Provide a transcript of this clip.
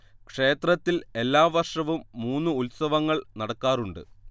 ക്ഷേത്രത്തിൽ എല്ലാ വർഷവും മൂന്ന് ഉത്സവങ്ങൾ നടക്കാറുണ്ട്